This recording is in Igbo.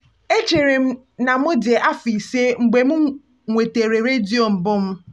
Echere m na m dị afọ 5 mgbe m nwetara redio mbụ m.